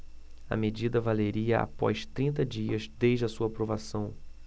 a medida valeria após trinta dias desde a sua aprovação